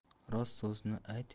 rost so'zni ayt